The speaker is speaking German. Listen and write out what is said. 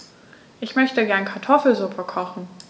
Ich möchte gerne Kartoffelsuppe kochen.